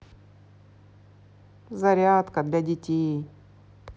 зарядка для детей